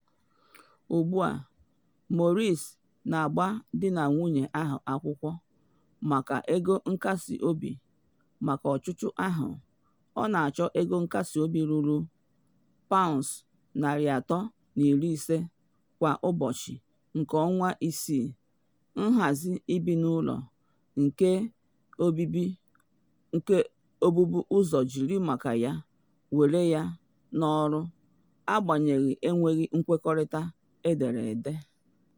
Ugbu a, Maurice na agba di na nwunye ahụ akwụkwọ maka ego nkasi obi maka ọchụchụ ahụ, ọ na achọ ego nkasị obi ruru $350 kwa ụbọchị nke ọnwa-isii, nhazi ibi n’ụlọ nke ebubu ụzọ jiri maka ya were ya n’ọrụ, agbanyeghị enweghị nkwekọrịta edere ede.